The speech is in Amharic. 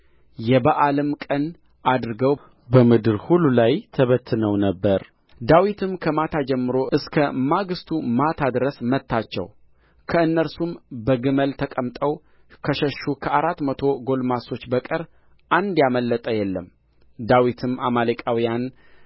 የበዓልም ቀን አድርገው በምድር ሁሉ ላይ ተበትነው ነበር ዳዊትም ከማታ ጀምሮ እስከ ማግሥቱ ማታ ድረስ መታቸው ከእነርሱም በግመል ተቀምጠው ከሸሹ ከአራት መቶ ጕልማሶች በቀር አንድ ያመለጠ የለም ዳዊትም አማሌቃውያን